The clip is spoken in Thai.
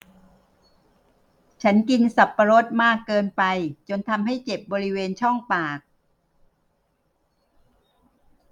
ฉันกินสับปะรดมากเกินไปจนทำให้เจ็บบริเวณช่องปาก